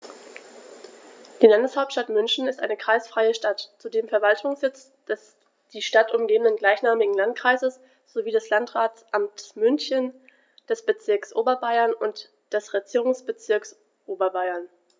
Die Landeshauptstadt München ist eine kreisfreie Stadt, zudem Verwaltungssitz des die Stadt umgebenden gleichnamigen Landkreises sowie des Landratsamtes München, des Bezirks Oberbayern und des Regierungsbezirks Oberbayern.